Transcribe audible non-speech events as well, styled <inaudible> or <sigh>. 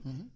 <hesitation> <hesitation>